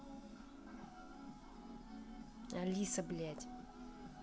алиса блять